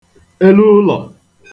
eluụlọ̀